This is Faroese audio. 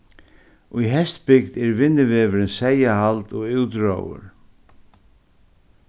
í hestbygd er vinnuvegurin seyðahald og útróður